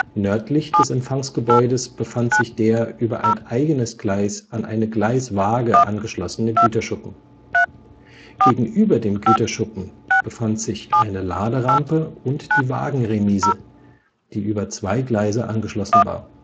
Nördlich des Empfangsgebäudes befand sich der über ein eigenes Gleis an eine Gleiswaage angeschlossene Güterschuppen. Gegenüber dem Güterschuppen befand sich eine Laderampe und die Wagenremise, die über zwei Gleise angeschlossen war